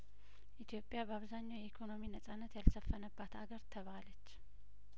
ኢትዮጵያ በአብዛኛው የኢኮኖሚ ነጻነት ያልሰፈነባት አገር ተባለች